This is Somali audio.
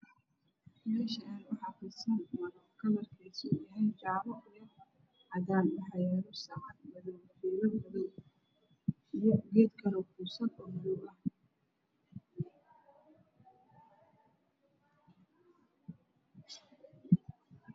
Meeshaan waxaa fidsan maro kalarkeedu uu yahay jaalo iyo cadaan waxaa yaalo saacad madow ah iyo geed kaloo kuusan oo buluug ah.